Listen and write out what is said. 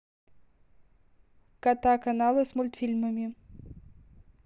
кота каналы с мультфильмами